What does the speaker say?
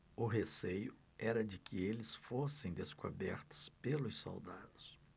o receio era de que eles fossem descobertos pelos soldados